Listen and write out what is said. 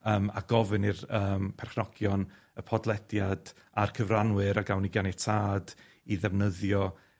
yym a gofyn i'r yym perchnogion y podlediad a'r cyfranwyr a gawn ni ganiatâd i ddefnyddio